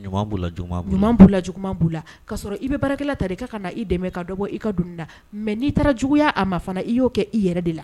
ɲuman b'u la juguman b'u la , ɲuman b'u la juguman b'u la, k'a sɔrɔ i bɛ baarakɛla ta ka na i dɛmɛ ka dɔ bɔ i ka donni la mais n'i taara juguya a ma fana i y'o kɛ i yɛrɛ de !